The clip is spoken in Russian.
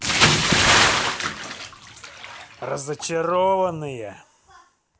разочарованные